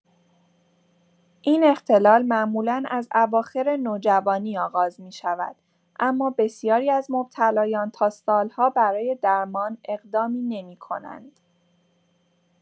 این اختلال معمولا از اواخر نوجوانی آغاز می‌شود، اما بسیاری از مبتلایان تا سال‌ها برای درمان اقدامی نمی‌کنند.